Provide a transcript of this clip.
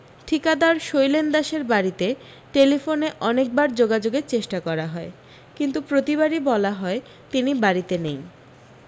ঠিকাদার শৈলেন দাসের বাড়ীতে টেলিফোনে অনেক বার যোগাযোগের চেষ্টা করা হয় কিন্তু প্রতি বারি বলা হয় তিনি বাড়ীতে নেই